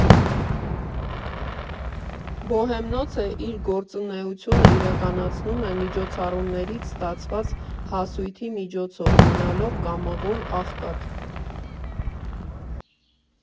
Բոհեմնոցը իր գործունեությունը իրականացնում է միջոցառումներից ստացված հասույթի միջոցով՝ մնալով կամավոր աղքատ։